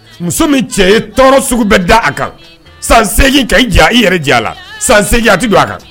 Muso min cɛ ye tɔɔrɔ sugu bɛ da a kan sangin ka i diya i yɛrɛ jira a la sangin a tɛ don a kan